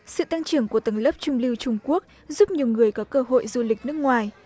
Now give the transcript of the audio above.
sự tăng trưởng của tầng lớp trung lưu trung quốc giúp nhiều người có cơ hội du lịch nước ngoài